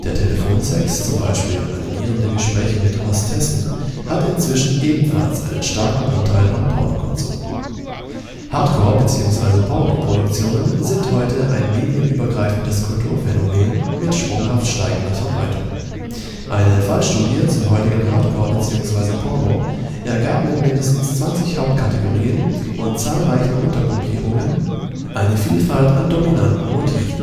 Telefonsex (z. B. animierende Gespräche mit „ Hostessen “) hat inzwischen ebenfalls einen starken Anteil am Pornokonsum. Hardcore - bzw. Pornoproduktionen sind heute ein medienübergreifendes Kulturphänomen mit sprunghaft steigender Verbreitung. Eine Fallstudie zum heutigen Hardcore bzw. Porno ergab mit mindestens 20 Hauptkategorien und zahlreichen Untergruppierungen eine Vielfalt an dominanten Motiven